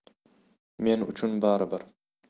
men uchun bari bir